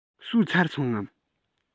ཟོས ཚར སོང ངམ